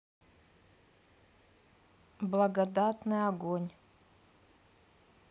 благодатный огонь